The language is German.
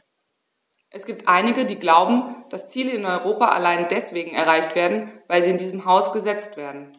Es gibt einige, die glauben, dass Ziele in Europa allein deswegen erreicht werden, weil sie in diesem Haus gesetzt werden.